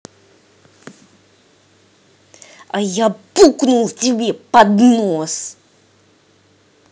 а я пукнул тебе под нос